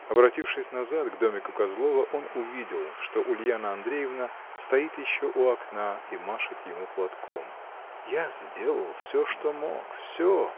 Оборотившись назад, к домику Козлова, он увидел, что Ульяна Андреевна стоит еще у окна и машет ему платком. — Я сделал всё, что мог, всё!